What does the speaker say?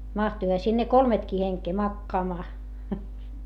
mahtuihan sinne kolmekin henkeä makaamaan